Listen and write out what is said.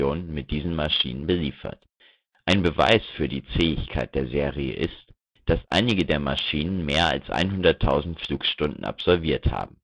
mit diesen Maschinen beliefert. Ein Beweis für die Zähigkeit der Serie ist, dass einige der Maschinen mehr als 100.000 Flugstunden absolviert haben